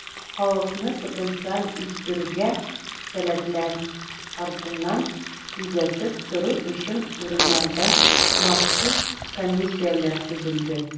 Халыкны потенциаль үстерүгә сәләтлеләр артыннан күзәтеп тору өчен, урыннарда махсус комиссияләр төзелде.